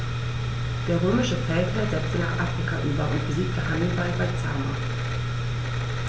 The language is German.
Der römische Feldherr setzte nach Afrika über und besiegte Hannibal bei Zama.